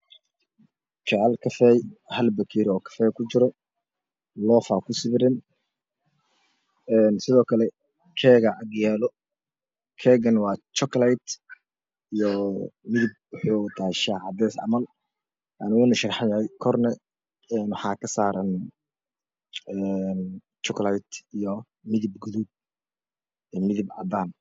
Mashan waa yalo mis kalar kisi waa cadan waxaa saran keeg kalar kisi waa cadan iyo qahwi iyo bageri kalar kisi waa jale waa kujiro kafeey